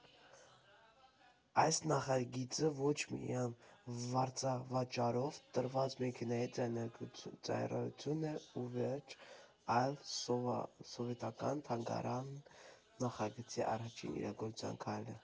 Այս նախագիծը ոչ միայն վարձավճարով տրվող մեքենայի ծառայություն է ու վերջ, այլ սովետական թանգարան նախագծի առաջին իրագործված քայլը։